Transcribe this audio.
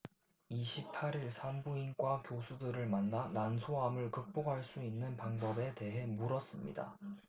이십 팔 일 산부인과 교수들을 만나 난소암을 극복할 수 있는 방법에 대해 물었습니다